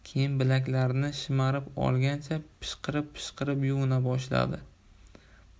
keyin bilaklarini shimarib olgancha pishqirib pishqirib yuvina boshladi